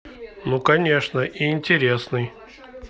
ну конечно и интересный